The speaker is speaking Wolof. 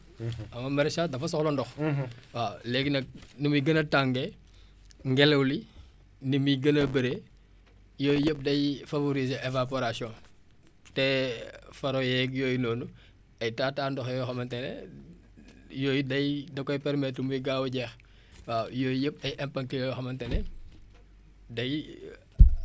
waaw léegi nag nu muy gën a tàngee ngelaw li ni muy gën a bëree yooyu yëpp day favoriser évaporation te faro yeeg yooyu noonu ay taa taa ndox la yoo xamante ne yooyu day da koy permettre muy gaaw a jeex waaw yooyu yëpp ay impact la yoo xamante ne day agir si si maraichage bi